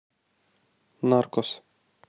narcos